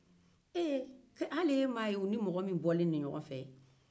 hali e m'a ye u ni mɔgɔ min bɔlen don ɲɔgɔn fɛ